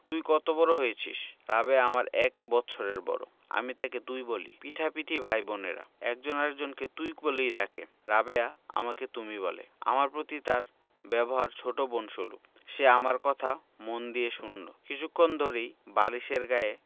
তুই কত বড় হয়েছিস রাবেয়া আমার এক বৎসরের বড় আমি তাকে তুই বলি পিঠাপিঠি ভাই বোনের একজন আরেক জনকে তুই বলেই ডাকে রাবেয়া আমাকে তুমি বলে আমার প্রতি তার ব্যবহার ছোট বোন সুলভ সে আমার কথা মন দিয়ে শুনলো কিছুক্ষণ ধরেই বালিশের গায়ে